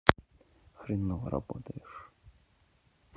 хреново работаешь